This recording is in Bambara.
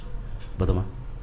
Batɔma